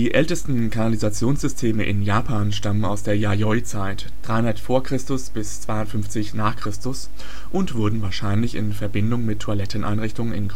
ältesten Kanalisationssysteme in Japan stammen aus der Yayoi-Zeit (300 v. Chr. – 250 n. Chr.) und wurden wahrscheinlich in Verbindung mit Toiletteneinrichtungen